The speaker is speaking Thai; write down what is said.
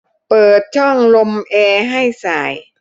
เปิดช่องลมแอร์ให้ส่าย